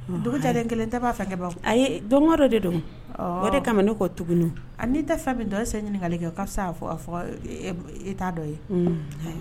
Dugulen kelen tɛ b'a fɛbagaw ayi dɔn dɔ de don o de kama ne ko tugu n tɛ fɛn min dɔ e se ɲininkakali kɛ' fisa fɔ e t'a dɔ ye